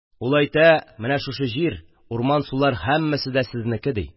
Ул әйтә, менә шушы җир, урман-сулар һәммәсе дә сезнеке, ди.